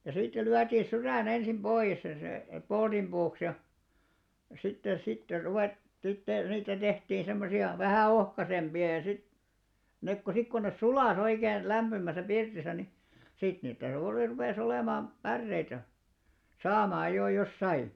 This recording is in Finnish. ja sitten lyötiin sydän ensin pois ja se polttopuuksi ja sitten sitten - sitten niitä tehtiin semmoisia vähän ohkaisempia ja sitten ne kun sitten kun ne suli oikein lämpimässä pirtissä niin sitten niitä jo oli rupesi olemaan päreitä saamaan jo jos sai